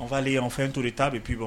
N'ale ye fɛn tour de taaa bɛ bi bɔ